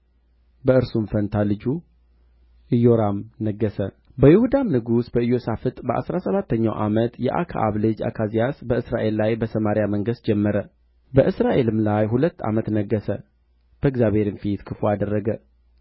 በእርሱም ፋንታ ልጁ ኢዮራም ነገሠ በይሁዳም ንጉሥ በኢዮሣፍጥ በአሥራ ሰባተኛው ዓመት የአክዓብ ልጅ አካዝያስ በእስራኤል ላይ በሰማርያ መንገሥ ጀመረ በእስራኤልም ላይ ሁለት ዓመት ነገሠ በእግዚአብሔርም ፊት ክፉ አደረገ